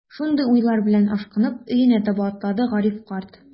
Шундый уйлар белән, ашкынып өенә таба атлады Гариф карт.